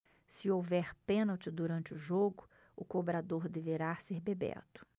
se houver pênalti durante o jogo o cobrador deverá ser bebeto